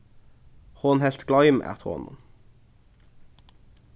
hon helt gleim at honum